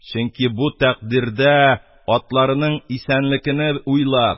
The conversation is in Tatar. Чөнки бу тәкъдирдә атларының исәнлекене уйлап,